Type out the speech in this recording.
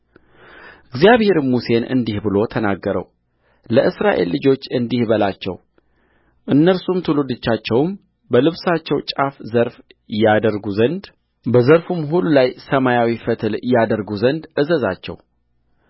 እግዚአብሔርም ሙሴን እንዲህ ብሎ ተናገረውለእስራኤል ልጆች እንዲህ በላቸው እነርሱም ትውልዶቻቸውም በልብሳቸው ጫፍ ዘርፍ ያደርጉ ዘንድ በዘርፉም ሁሉ ላይ ሰማያዊ ፈትል ያደርጉ ዘንድ እዘዛቸው